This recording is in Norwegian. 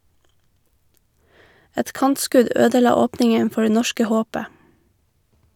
Et kantskudd ødela åpningen for det norske håpet.